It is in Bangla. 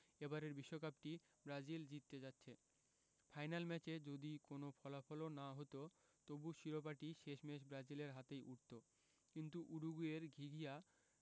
এবারের শিরোপাটি ব্রাজিল জিততে যাচ্ছে ফাইনাল ম্যাচে যদি কোনো ফলাফলও না হতো তবু শিরোপাটি শেষমেশ ব্রাজিলের হাতেই উঠত কিন্তু উরুগুয়ের ঘিঘিয়া